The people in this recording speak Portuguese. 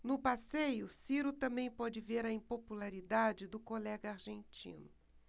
no passeio ciro também pôde ver a impopularidade do colega argentino